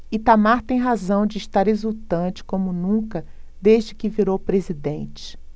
itamar tem razão de estar exultante como nunca desde que virou presidente